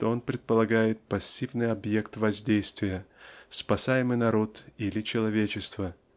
что он предполагает пассивный объект воздействия -- спасаемый народ или человечество